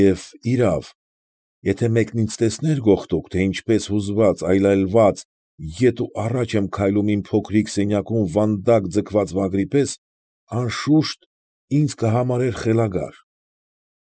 Եվ, իրավ, եթե մեկն ինձ տեսներ գողտուկ, թե ինչպես հուզված, այլայլված ետ ու առաջ եմ քայլում իմ վոոքրիկ սենյակում վանդակ ձգված վագրի պես, անշուշտ, ինձ կհամարեր խելագար։